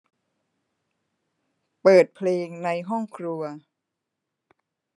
เปิดเพลงในห้องครัว